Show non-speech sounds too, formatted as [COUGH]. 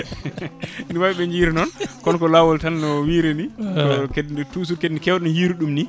[LAUGHS] ne wawi ɓe jiira noon kono ko lawol tan no wiirini kadi toujours kadi no kewɗen yirude ɗum ni